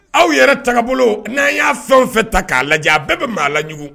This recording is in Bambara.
Aw yɛrɛ tagabolo n'an y'a fɛn o fɛn ta k'a lajɛ a bɛɛ bɛ maa laɲugu